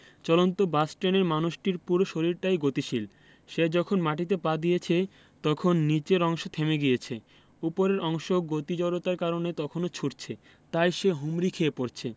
চলন্ত বাস ট্রেনের মানুষটির পুরো শরীরটাই গতিশীল সে যখন মাটিতে পা দিয়েছে তখন নিচের অংশ থেমে গিয়েছে ওপরের অংশ গতি জড়তার কারণে তখনো ছুটছে তাই সে হুমড়ি খেয়ে পড়ছে